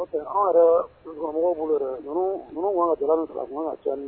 Ok anw yɛrɛ brousse kɔnɔ mɔgɔw bolo nunun kun kan ka gɛlɛya min sɔrɔ a kun kan ka caya